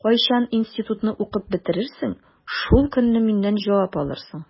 Кайчан институтны укып бетерерсең, шул көнне миннән җавап алырсың.